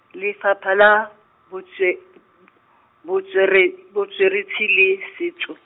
Lefapha la, Botswe- , Botswere-, Botsweretshi le Setso.